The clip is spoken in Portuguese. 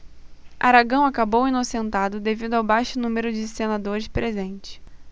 aragão acabou inocentado devido ao baixo número de senadores presentes